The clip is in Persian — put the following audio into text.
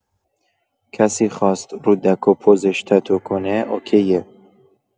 کسی خواست رو دک و پوزش تتو کنه اوکیه.